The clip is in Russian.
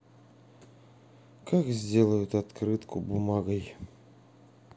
как сделают открытку бумагой